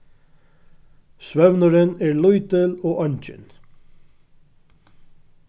svøvnurin er lítil og eingin